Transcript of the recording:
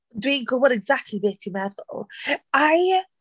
Dwi'n gwybod exactly be ti'n meddwl. I...